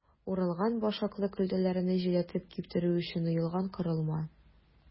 Урылган башаклы көлтәләрне җилләтеп киптерү өчен өелгән корылма.